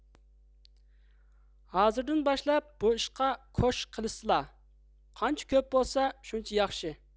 ھازىردىن باشلاپ بۇ ئىشقا كوش قىلىشسىلا قانچە كۆپ بولسا شۇنچە ياخشى